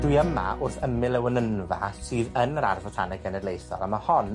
Dwi yma, wrth ymyl y wenynfa, sydd yn yr Ardd Fotaneg Genedlaethol, a ma' hon